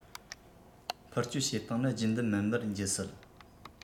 འཕུར སྐྱོད བྱེད སྟངས ནི རྒྱུན ལྡན མིན པར འགྱུར སྲིད